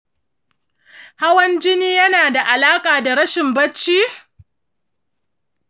hawan jini yana da alaƙa da rashin barci?